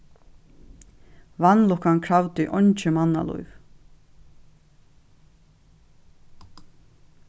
vanlukkan kravdi eingi mannalív